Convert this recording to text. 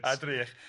A drych.